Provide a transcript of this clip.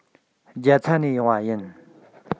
རྒྱ ཚ ནས ཡོང བ ཡིན